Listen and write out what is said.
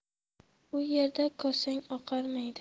u yerda kosang oqarmaydi